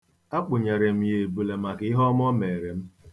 Akpụnyere m ya ebule maka ihe ọma o meere m.